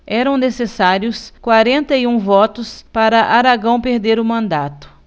eram necessários quarenta e um votos para aragão perder o mandato